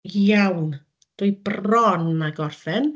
Iawn, dwi bron a gorffen.